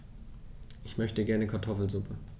Ich möchte gerne Kartoffelsuppe.